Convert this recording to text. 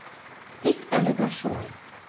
Тик әлегә шулай.